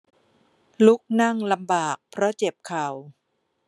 ลุกนั่งลำบากเพราะเจ็บเข่า